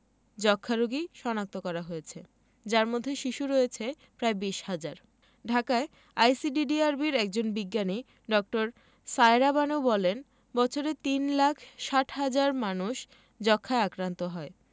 যক্ষ্মা রোগী শনাক্ত করা হয়েছে যার মধ্যে শিশু রয়েছে প্রায় ২০ হাজার ঢাকায় আইসিডিডিআরবির একজন বিজ্ঞানী ড. সায়েরা বানু বলেন বছরে তিন লাখ ৬০ হাজার মানুষ যক্ষ্মায় আক্রান্ত হয়